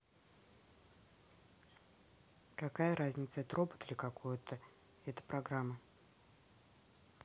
какая разница это робот или какой то это программа